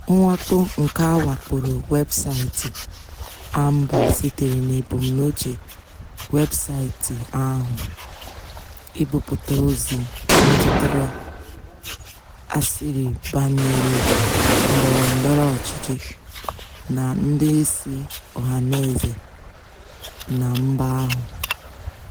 Mwakpo nke a wakporo webụsaịtị Anbaa sitere n'ebumnuche webụsaịtị ahụ ibipụta ozi metụtara asịrị banyere ndọrọndọrọ ọchịchị na ndị isi ọhanaeze na mba ahụ.